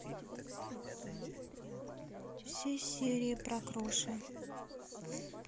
все серии про кроша